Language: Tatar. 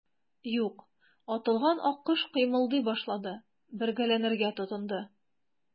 Юк, атылган аккош кыймылдый башлады, бәргәләнергә тотынды.